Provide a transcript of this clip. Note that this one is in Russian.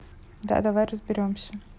да давай разберемся